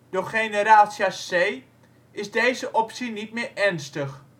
door generaal Chassé, is deze optie niet meer ernstig